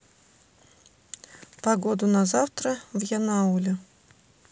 погоду на завтра в янауле